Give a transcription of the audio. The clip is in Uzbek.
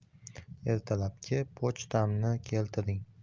ertalabki pochtamni keltiring